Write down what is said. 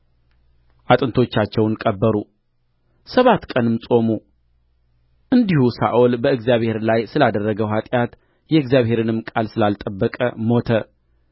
አጥንቶቻቸውን ቀበሩ ሰባት ቀንም ጾሙ እንዲሁ ሳኦል በእግዚአብሔር ላይ ስላደረገው ኃጢአት የእግዚአብሔርንም ቃል ስላልጠበቀ ሞተ